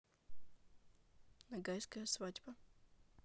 нагайская свадьба